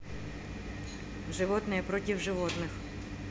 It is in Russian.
животные против животных